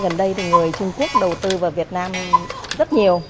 gần đây thì người trung quốc đầu tư vào việt nam rất nhiều